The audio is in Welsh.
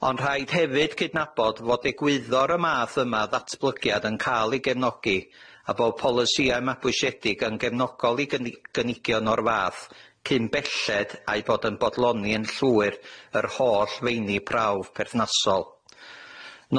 Ond rhaid hefyd cydnabod fod egwyddor y math yma o ddatblygiad yn ca'l ei gefnogi a bo' polisiau mabwysiedig yn gefnogol i gyni- gynigion o'r fath cyn belled a'i bod yn bodloni yn llwyr yr holl feini prawf perthnasol.